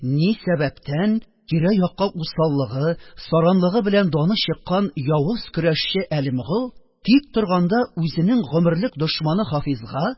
Ни сәбәптән тирә-якка усаллыгы, саранлыгы белән даны чыккан явыз көрәшче әлемгол тик торганда, үзенең гомерлек дошманы хафизга